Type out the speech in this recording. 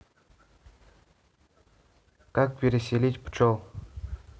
как переселить пчел